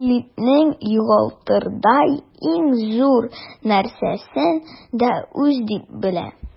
Милләтнең югалтырдай иң зур нәрсәсен дә үзе дип белә.